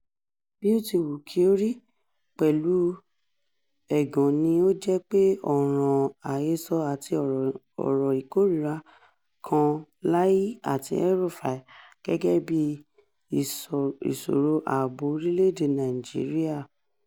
Bí ó ti wù kí ó rí, pẹ̀lú ẹ̀gàn ni ó jẹ́ pé ọ̀ràn-an àhesọ àti ọ̀rọ̀ ìkórìíra kan Lai àti El-Rufai gẹ́gẹ́ bíi ìṣòro ààbò orílẹ̀-èdè Nàìjíríà.